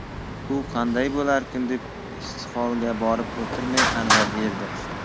u qanday bo'larkin deb istiholaga borib o'tirmay anvarga ergashdi